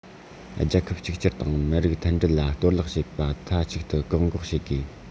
རྒྱལ ཁབ གཅིག གྱུར དང མི རིགས མཐུན སྒྲིལ ལ གཏོར བརླག བྱེད པར མཐའ གཅིག ཏུ བཀག འགོག བྱེད དགོས